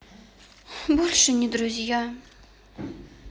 больше не друзья